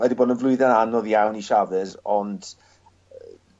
mae 'di bod yn flwyddyn anodd iawn i Chaves ond yy